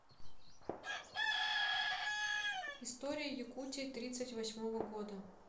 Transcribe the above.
история якутии тридцать восьмого года